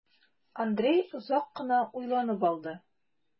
Андрей озак кына уйланып алды.